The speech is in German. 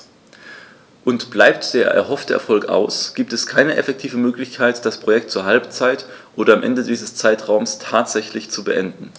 Und bleibt der erhoffte Erfolg aus, gibt es keine effektive Möglichkeit, das Projekt zur Halbzeit oder am Ende dieses Zeitraums tatsächlich zu beenden.